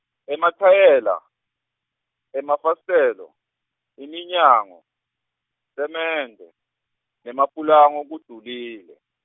emathayela, emafasitelo, iminyango, semende, nemapulango kudulile.